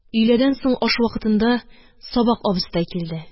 Өйләдән соң аш вакытында сабак абызтай килде